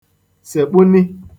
sèkpụni